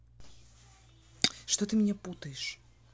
что ты меня путаешь